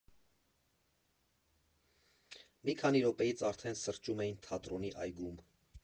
Մի քանի րոպեից արդեն սրճում էին թատրոնի այգում։